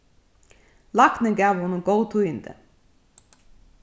læknin gav honum góð tíðindi